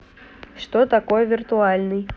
что такое виртуальный